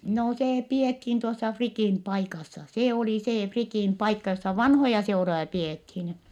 no se pidettiin tuossa Frikin paikassa se oli se Frikin paikka jossa vanhoja seuroja pidettiin